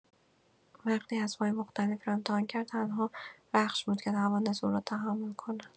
وقتی اسب‌های مختلفی را امتحان کرد، تنها رخش بود که توانست او را تحمل کند.